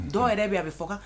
Dɔw yɛrɛ bɛ a bɛ fɔ